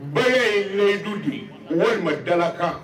Ba ye ye yidu de walima dalalakan